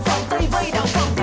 phộng ti